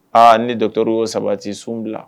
Aa ne dɔtɔ sabati sun bila